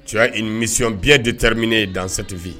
Cɛ inmiyon biyɛn de tariminɛen ye dansatibi